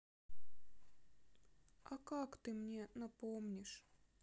а как ты мне напомнишь